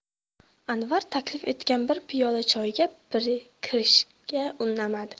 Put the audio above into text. anvar taklif etgan bir piyola choyga kirishga unamadi